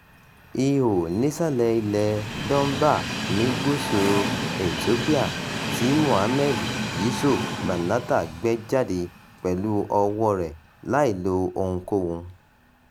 Ihò nísàlẹ̀ ilẹ̀ẹ Dunbar ní gúúsù Ethiopia tí Mohammed Yiso Banatah gbẹ́ jáde pẹ̀lú ọwọ́ọ rẹ̀ láì lo ohunkóhun.